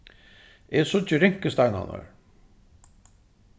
eg síggi rinkusteinarnar